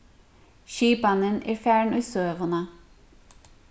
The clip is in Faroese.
skipanin er farin í søguna